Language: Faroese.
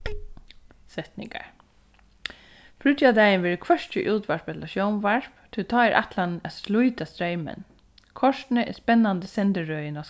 setningar fríggjadagin verður hvørki útvarp ella sjónvarp tí tá er ætlanin at slíta streymin kortini er spennandi sendirøðin á